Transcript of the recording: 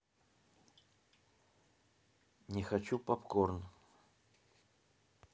не хочу попкорн